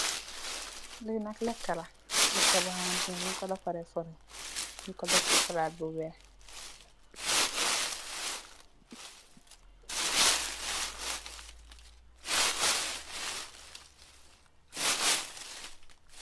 Liinak lekala lek bohamantaneh ñunko defareh sorry ñunko deffsi palat bu wekh.